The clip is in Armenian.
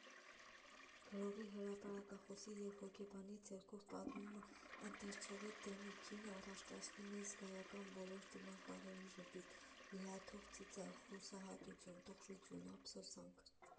Գրողի, հրապարակախոսի և հոգեբանի ձեռքով պատումը ընթերցողի դեմքին առաջացնում է զգայական բոլոր դիմախաղերը՝ ժպիտ, լիաթոք ծիծաղ, հուսահատություն, տխրություն, ափսոսանք։